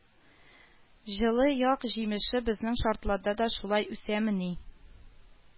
Җылы як җимеше безнең шартларда да шулай үсәмени